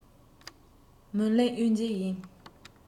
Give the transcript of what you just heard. མོན གླིང གཡུལ འགྱེད ཡིན